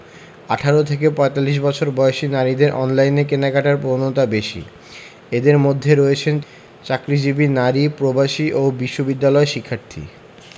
১৮ থেকে ৪৫ বছর বয়সী নারীদের অনলাইনে কেনাকাটার প্রবণতা বেশি এঁদের মধ্যে রয়েছেন চাকরিজীবী নারী প্রবাসী ও বিশ্ববিদ্যালয় শিক্ষার্থী